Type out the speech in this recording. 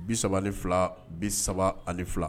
Bi saba ni fila bi saba ani fila